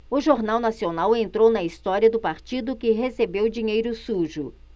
o jornal nacional entrou na história do partido que recebeu dinheiro sujo